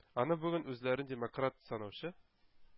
Аны бүген үзләрен демократ санаучы,